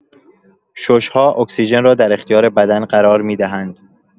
شش‌ها اکسیژن را در اختیار بدن قرار می‌دهند